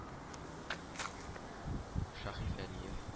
Шаһивәлиев